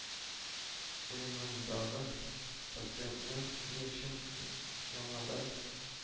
Куенындагы пациентны ни өчен яңадан